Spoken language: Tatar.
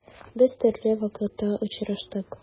Без төрле вакытта очраштык.